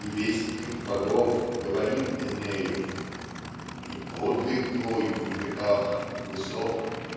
И вестник богов говорит Энею И подвиг твой в веках высок